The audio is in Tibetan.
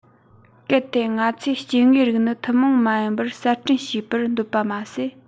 གལ ཏེ ང ཚོས སྐྱེ དངོས རིགས ནི ཐུན མོང མ ཡིན པར གསར སྐྲུན བྱས པར འདོད པ མ ཟད